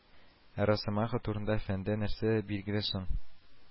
Ә росомаха турында фәндә нәрсәләр билгеле соң